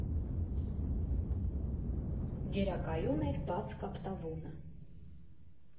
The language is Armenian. Գերակայում էր բաց կապտավունը։